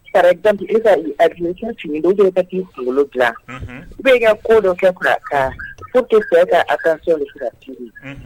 Ka ka a kun bɛ ka taa kunkolo bila bɛ ka ko dɔ faga kan ko tɛ se ka a ka fila